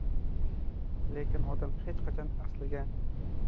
lekin odam hech qachon asliga